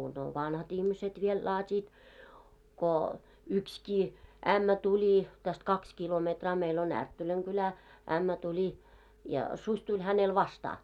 no vanhat ihmiset vielä laativat kun yksikin ämmä tuli tästä kaksi kilometriä meillä on Ärttölän kylä ämmä tuli ja susi tuli hänelle vastaan